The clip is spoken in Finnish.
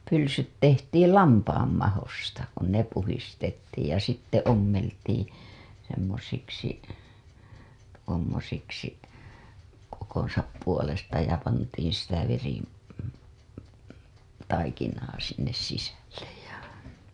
pylsyt tehtiin lampaan mahoista kun ne puhdistettiin ja sitten ommeltiin semmoisiksi tuommoisiksi kokonsa puolesta ja pantiin sitä - veritaikinaa sinne sisälle ja